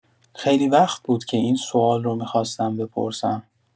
خیلی وقت بود که این سوال رو می‌خواستم بپرسم!